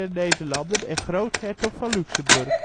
Nederlanden en groothertog van Luxemburg